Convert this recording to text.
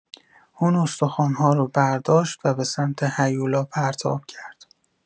اون استخوان‌ها رو برداشت و به سمت هیولا پرتاب کرد.